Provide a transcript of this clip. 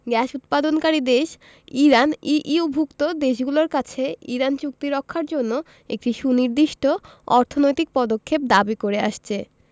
gas উৎপাদনকারী দেশ Iran ইইউভুক্ত দেশগুলোর কাছে ইরান চুক্তি রক্ষার জন্য একটি সুনির্দিষ্ট অর্থনৈতিক পদক্ষেপ দাবি করে আসছে